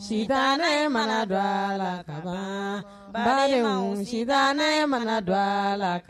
Sisan ne mana dɔgɔ a la ka ba si ne mana dɔgɔ a la